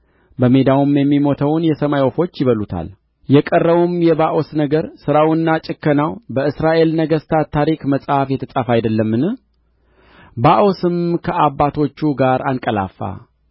በሜዳውም የሚሞተውን የሰማይ ወፎች ይበሉታል የቀረውም የባኦስ ነገር ሥራውና ጭከናውም በእስራኤል ነገሥታት ታሪክ መጽሐፍ የተጻፈ አይደለምን ባኦስም ከአባቶቹ ጋር አንቀላፋ